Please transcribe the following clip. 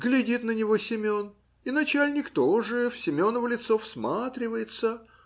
Глядит на него Семен, и начальник тоже в Семеново лицо всматривается.